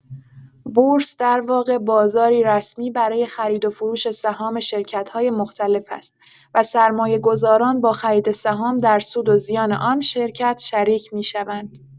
بورس در واقع بازاری رسمی برای خرید و فروش سهام شرکت‌های مختلف است و سرمایه‌گذاران با خرید سهام، در سود و زیان آن شرکت شریک می‌شوند.